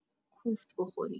کوفت بخوری